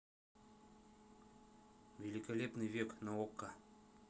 великолепный век на окко